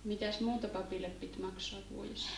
mitäs muuta papille piti maksaa vuodessa